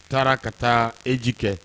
U taara ka taa eji kɛ